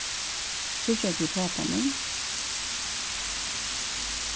síggja tit pápa mín